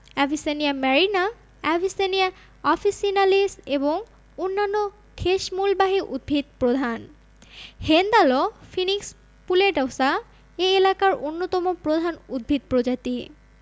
Avicennia marina Avicennia officinalis এবং অন্যান্য ঠেসমূলবাহী উদ্ভিদ প্রধান হেন্দালও ফিনিক্স পুলেডোসা এ এলাকার অন্যতম প্রধান উদ্ভিদ প্রজাতি